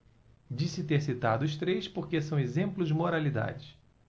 disse ter citado os três porque são exemplos de moralidade